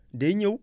day ñëw